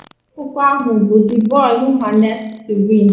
Aha akwụkwọ ahụ bụ The Boy who Harnessed the Wind.